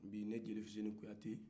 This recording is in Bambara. bi ne jeli fuseni kuyate